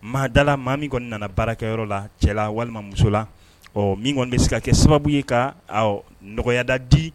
Maadala maa min kɔni nana baarakɛyɔrɔ la cɛ walima muso la ɔ min kɔni bɛ se ka kɛ sababu ye ka ɔ nɔgɔyayada di